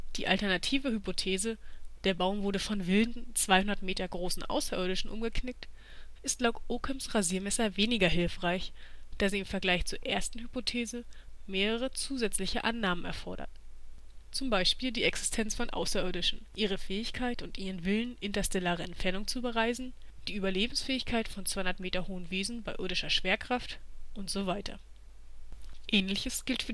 Die alternative Hypothese „ der Baum wurde von wilden, 200 Meter großen Außerirdischen umgeknickt “ist laut Ockhams Rasiermesser weniger hilfreich, da sie im Vergleich zur ersten Hypothese mehrere zusätzliche Annahmen erfordert. Zum Beispiel die Existenz von Außerirdischen, ihre Fähigkeit und ihren Willen, interstellare Entfernungen zu bereisen, die Überlebensfähigkeit von 200 m hohen Wesen bei irdischer Schwerkraft, usw. Ähnliches gilt